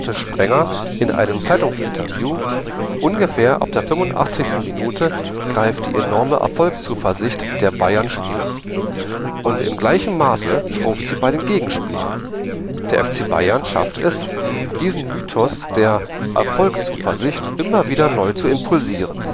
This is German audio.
Sprenger in einem Zeitungsinterview: „ Ungefähr ab der 85. Minute greift die enorme Erfolgszuversicht der Bayern-Spieler. Und in gleichem Maße schrumpft sie bei den Gegenspielern. Der FC Bayern schafft es, diesen Mythos der Erfolgszuversicht immer wieder neu zu impulsieren